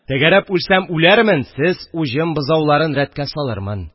Тәгәрәп үлсәм үләрмен, сез уҗым бозауларын рәткә салырмын